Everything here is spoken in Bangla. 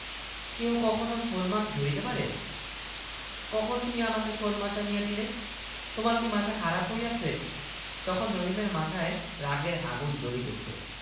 ওর কাছে আপনারা জিজ্ঞাসা করেন ও কোথা হইতে মাছ আনিল আর কখন আনিল রহিম বলিল আজ সকালে আমি ঐ ইটা ক্ষেতে যখন লাঙল দিতেছিলাম